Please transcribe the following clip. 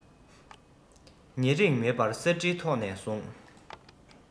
ཉེ རིང མེད པར གསེར ཁྲིའི ཐོགས ནས བཟུང